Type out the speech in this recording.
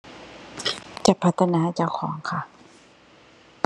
จะพัฒนาเจ้าของค่ะ